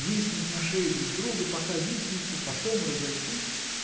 Виснуть на шее друг друга, пока виснется, потом разойтись.